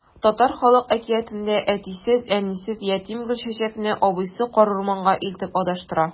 Татар халык әкиятендә әтисез-әнисез ятим Гөлчәчәкне абыйсы карурманга илтеп адаштыра.